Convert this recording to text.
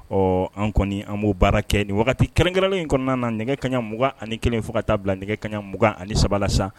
Ɔ an kɔni an b'o baara kɛ nin waati kɛrɛnkɛlo in kɔnɔna na nɛgɛ kaɲa m ani kelen fo ka taa bila nɛgɛ kaɲa 2ugan ani sabala sa